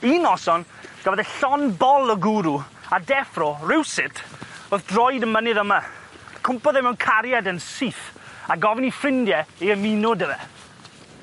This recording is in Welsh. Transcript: Un noson gafodd e llond bol o gwrw a deffro rywsut wrth droed y mynydd yma, cwmpodd e mewn cariad yn syth a gofyn i ffrindie i ymuno 'dy fe.